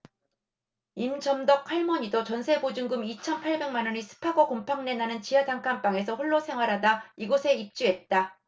임점덕 할머니도 전세 보증금 이천 팔백 만원의 습하고 곰팡내 나는 지하 단칸방에서 홀로 생활하다 이곳에 입주했다